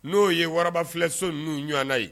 N'o ye wara filɛso n ninnu ɲɔgɔnna ye